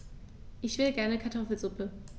Ich will gerne Kartoffelsuppe.